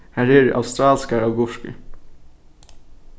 har eru australskar agurkur